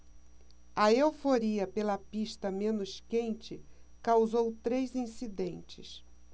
a euforia pela pista menos quente causou três incidentes